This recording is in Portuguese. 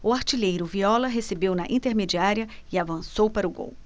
o artilheiro viola recebeu na intermediária e avançou para o gol